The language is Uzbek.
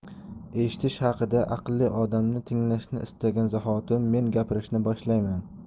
eshitish haqidaaqlli odamni tinglashni istagan zahotim men gapirishni boshlayman